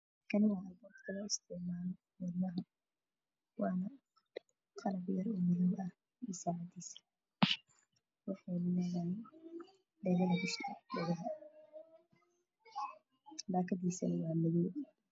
Halkaan waa na qalin biiro waxaa noo yaalo baakdisana waa madow